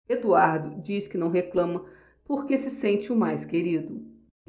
eduardo diz que não reclama porque se sente o mais querido